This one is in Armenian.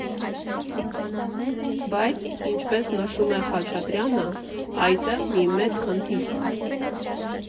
Բայց, ինչպես նշում է Խաչատրյանը, այդտեղ մի մեծ խնդիր կա.